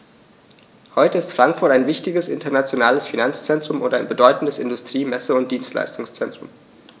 Heute ist Frankfurt ein wichtiges, internationales Finanzzentrum und ein bedeutendes Industrie-, Messe- und Dienstleistungszentrum.